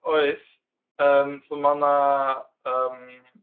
Oes. yym so ma' 'na yym...